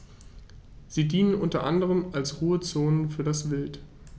Sie dienen unter anderem als Ruhezonen für das Wild.